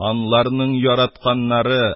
Анларның яратканнары,